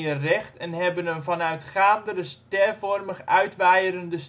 recht en hebben een vanuit Gaanderen stervormig uitwaaierende structuur